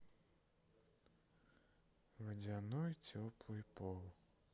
водяной теплый пол